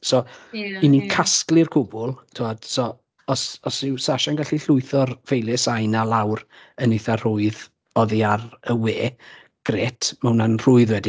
so 'y ni'n casglu'r cwbl tibod so os os yw Sasha'n gallu llwytho'r ffeiliau sain 'na lawr yn eitha rhwydd oddi ar y we grêt, mae hwnna'n rhwydd wedyn.